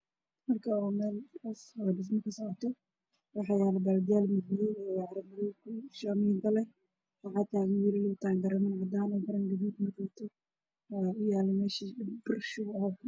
Waa guryo dabaq oo dhisme ku socdo